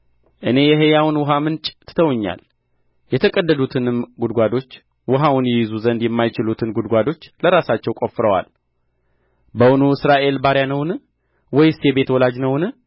እኔን የሕያውን ውኃ ምንጭ ትተውኛል የተቀደዱትንም ግውድጓዶች ውኃውን ይይዙ ዘንድ የማይችሉትን ግውድጓዶች ለራሳቸው ቆፍረዋል በውኑ እስራኤል ባሪያ ነውን ወይስ የቤት ውላጅ ነውን